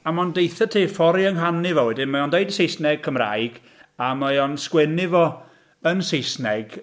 A mae o'n dweutha ti ffordd i ynganu fo wedyn. Mae o'n dweud yn Saesneg, Cymraeg, a mae o'n sgwennu fo yn Saesneg...